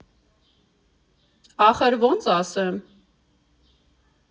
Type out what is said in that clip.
Ախր ո՞նց ասեմ։